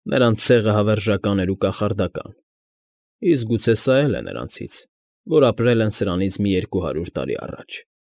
Նրանց ցեղը հավերժական էր ու կախարդական։ Իսկ գուցե սա էլ է նրանցից, որ ապրել են սրանից մի երկու հարյուր տարի առաջ։